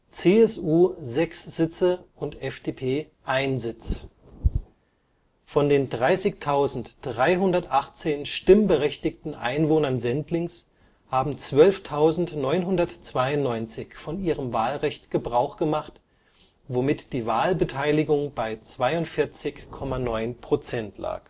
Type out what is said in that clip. CSU 6 und FDP 1. Von den 30.318 stimmberechtigten Einwohnern Sendlings haben 12.992 von ihrem Wahlrecht Gebrauch gemacht, womit die Wahlbeteiligung bei 42,9 Prozent lag